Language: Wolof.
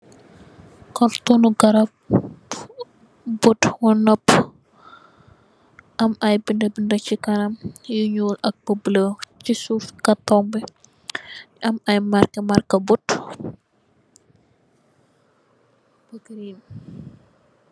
Karton garab bot or noppa am ay binda binda so kanam yu nuul ak bu bulu si suuf karton bi am ay marke marke bot bu green.